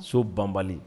So banban